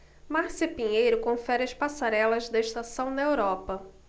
márcia pinheiro confere as passarelas da estação na europa